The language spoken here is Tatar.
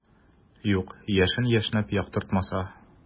Юк, яшен яшьнәп яктыртмаса.